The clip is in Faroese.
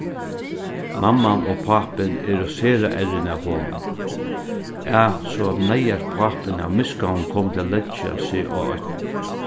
mamman og pápin eru sera errin av honum so at neyðars pápin av misgáum kom til at leggja seg á eitt